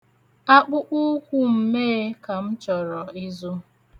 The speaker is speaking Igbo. Akpụkpụukwu mmee ka m chọrọ ịzụ.